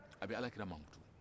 a bɛ alakira de mankutu